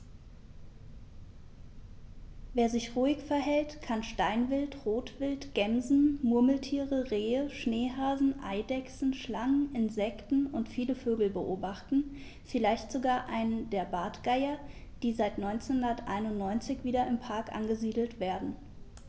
Wer sich ruhig verhält, kann Steinwild, Rotwild, Gämsen, Murmeltiere, Rehe, Schneehasen, Eidechsen, Schlangen, Insekten und viele Vögel beobachten, vielleicht sogar einen der Bartgeier, die seit 1991 wieder im Park angesiedelt werden.